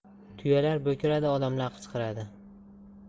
tuyalar bo'kiradi odamlar qichqiradi